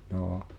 joo